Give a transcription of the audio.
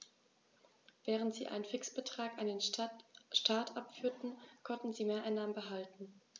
Während sie einen Fixbetrag an den Staat abführten, konnten sie Mehreinnahmen behalten.